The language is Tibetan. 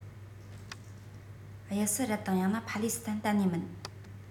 དབྱི སི རལ དང ཡང ན ཕ ལེ སི ཐན གཏན ནས མིན